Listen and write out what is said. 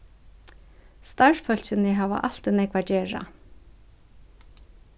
starvsfólkini hava altíð nógv at gera